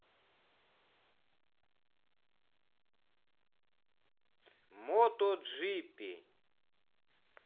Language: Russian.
мото джи пи